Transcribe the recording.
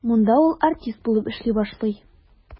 Монда ул артист булып эшли башлый.